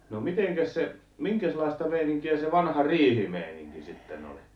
no mitenkäs se minkäslaista meininkiä se vanha riihimeininki sitten oli